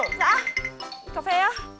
dạ cà phê à